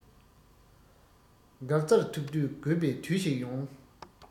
འགག རྩར ཐུག དུས དགོས པའི དུས ཤིག ཡོང